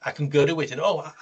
Ac yn gyrru wedyn, O...